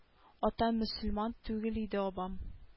Атам мөселман түгел иде абам